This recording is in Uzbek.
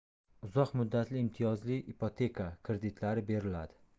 uzoq muddatli imtiyozli ipoteka kreditlari beriladi